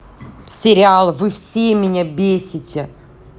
сериал вы все меня бесите